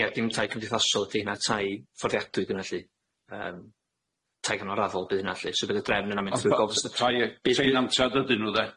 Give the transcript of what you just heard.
Ia dim tai cymdeithasol ydi heina, tai fforddiadwy gynna lly yym tai canolraddol by' hynna lly so bydd y drefn yna'n mynd trwy gofres y tai teg. tenantiaid ydyn nhw de?